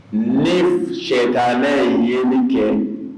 Ne cɛtanɛɛ ye min kɛ